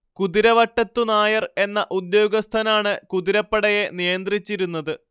കുതിരവട്ടത്തു നായർ എന്ന ഉദ്യോഗസ്ഥനാണ് കുതിരപ്പടയെ നിയന്ത്രിച്ചിരുന്നത്